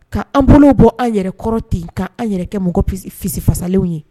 K'an bolo bɔ an yɛrɛkɔrɔ ten k'an yɛrɛ kɛ mɔgɔ sisifasalen ye